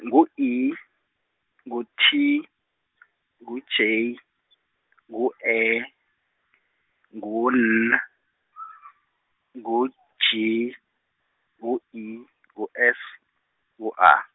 ngu I , ngu T, ngu J, ngu E, ngu N , ngu G, ngu I, ngu S, ngu A.